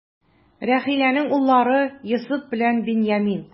Рахиләнең уллары: Йосыф белән Беньямин.